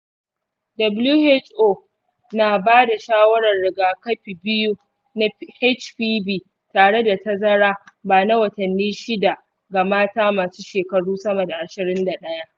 who na bada shawarar rigakafi biyu na hpv tare da taraza ba na watanni shida ga mata masu shekaru sama da ashirin da ɗaya.